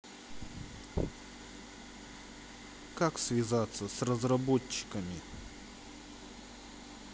как связаться с разработчиками